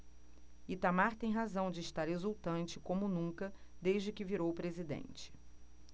itamar tem razão de estar exultante como nunca desde que virou presidente